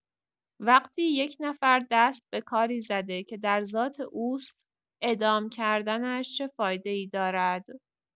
وقتی یک نفر دست به کاری زده که در ذات اوست، اعدام کردنش چه فایده‌ای دارد؟